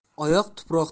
oyoq tuproqda iz